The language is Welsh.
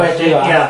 Wedyn, ia.